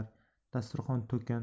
dasturxon to'kin